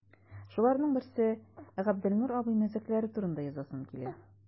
Шуларның берсе – Габделнур абый мәзәкләре турында язасым килә.